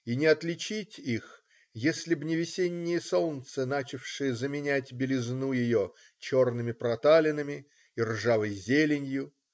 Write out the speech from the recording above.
И не отличить их, если б не весеннее солнце, начавшее заменять белизну ее - черными проталинами и ржавой зеленью.